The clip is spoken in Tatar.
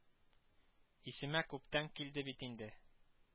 Исемә күптән килде бит инде